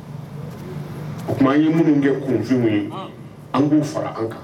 O kuma an ye minnu kɛ kunfin ye, aanh, an k'u fara an kan